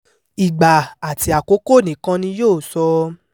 Ìgbà àti àkókò nìkan ni yóò sọ.